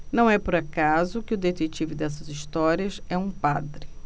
não é por acaso que o detetive dessas histórias é um padre